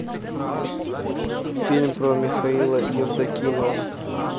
фильм про михаила евдокимова